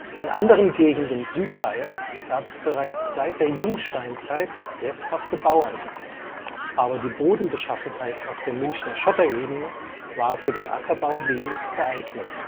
In anderen Gegenden Südbayerns gab es bereits seit der Jungsteinzeit sesshafte Bauern, aber die Bodenbeschaffenheit auf der Münchner Schotterebene war für den Ackerbau wenig geeignet